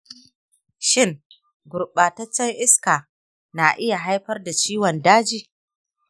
shin gurbataccen iska na iya haifar da ciwon daji?